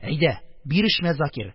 Әйдә, бирешмә, Закир,